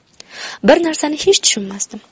bir narsani hech tushunmasdim